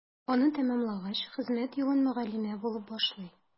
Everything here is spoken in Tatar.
Аны тәмамлагач, хезмәт юлын мөгаллимә булып башлый.